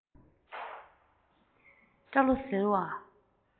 སྐྲ ལོ ཟིང བ